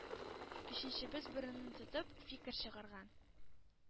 Өченчебез борынын тотып, фикер чыгарган